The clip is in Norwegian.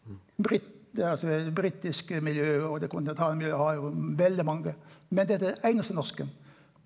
brit altså britiske miljø og det kontinentale miljøet har jo veldig mange, men dette er det einaste norske.